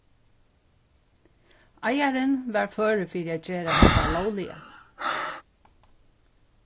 eigarin var førur fyri at gera hetta lógliga